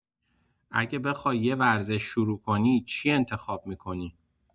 اگه بخوای یه ورزش شروع کنی، چی انتخاب می‌کنی؟